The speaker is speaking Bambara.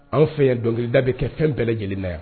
Anw fɛ dɔnkilida bɛ kɛ fɛn bɛɛ lajɛlen na yan